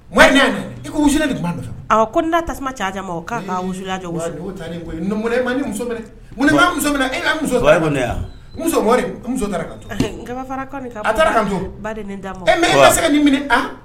Momɛd n'a yan de i ko wusulan de kun b'a bolo awɔ koni naa tasuma cɛ a ja mɔ k'a ye k'a wusulan eee jɔ wusu wa ni y'o talen ye koyi numudema ni muso bere munna i m'an muso minɛ e ka n muso papa e ko ne a n muso _ Momɛdi n muso taara k'an to a taara k'an to ɔ mais e ma se ka nin minɛ han